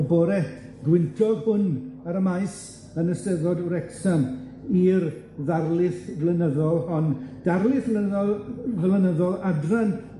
y bore gwyntog hwn ar y maes yn Eisteddfod Wrecsam i'r ddarlith flynyddol, ond darlith flynyddol flynyddol adran